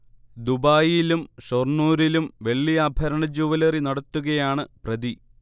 ദുബായിലും ഷൊർണൂരിലും വെള്ളിആഭരണ ജൂവലറി നടത്തുകയാണ് പ്രതി